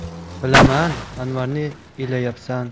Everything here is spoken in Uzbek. bilaman anvarni elayabsan